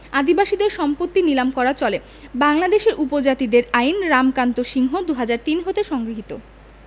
আদিবাসীদের সম্পত্তি নীলাম করা চলে বাংলাদেশের উপজাতিদের আইন রামকান্ত সিংহ ২০০৩ হতে সংগৃহীত